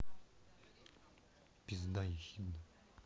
пизда ехидная